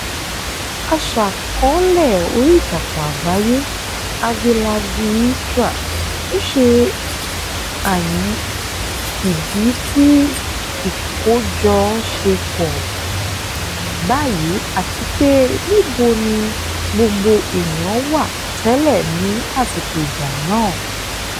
Aṣàkọọ́lẹ̀ oríìtakùn àgbáyé Avylavitra ń ṣe ààhin ìdí tí ìkọ́jọ ṣe pọ̀ báyìí àti pé níbo ni gbogbo èèyàn wà tẹ́lẹ̀ ní àsìkò ìjà náà (mg)?